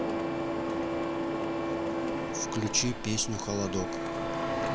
включи песню холодок